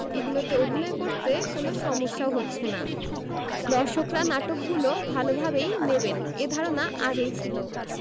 এগুলোতে অভিনয় করতে কোনো সমস্যাও হচ্ছে না দর্শকরা নাটকগুলো ভালোভাবেই নেবেন এ ধারণা আগেই ছিল